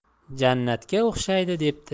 jannatga o'xshaydi debdi